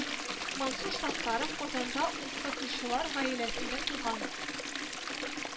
Мансур Саттаров Казанда укытучылар гаиләсендә туган